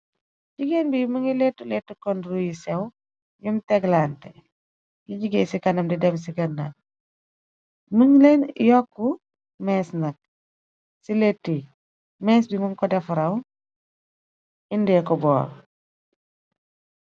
Jigéen bi mi ngi lettu lett kon ru yi sew yum teglante yi jigéey ci kanam di dem ci kanna mëngi leen yokk mees nak ci leti mees bi mun ko defa raw indee ko boor.